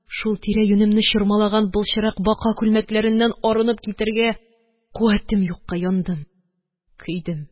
Шул тирә-юнемне чормалаган былчырак бака күлмәкләреннән арынып китәргә куәтем юкка яндым, көйдем...